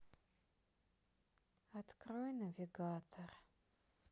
открой навигатор